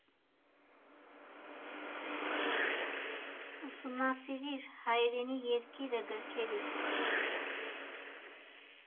Ուսումնասիրիր հայրենի երկիրը» գրքերից։